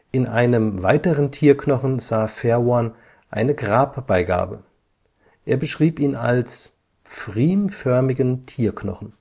In einem weiteren Tierknochen sah Verworn eine Grabbeigabe. Er beschrieb ihn als „ pfriemförmigen Tierknochen